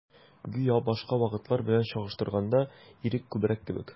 Гүя башка вакытлар белән чагыштырганда, ирек күбрәк кебек.